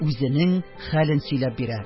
Үзенең хәлен сөйләп бирә.